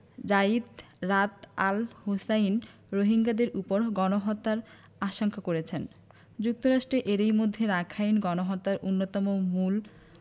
Zeid Ra'ad al Hussein রোহিঙ্গাদের ওপর গণহত্যার আশঙ্কা করেছেন যুক্তরাষ্ট্র এরই মধ্যে রাখাইনে গণহত্যার অন্যতম মূল